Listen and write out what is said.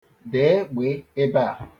Dee 'gb' ebe a.